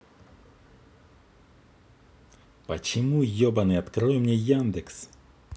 почему ебаный открой мне яндекс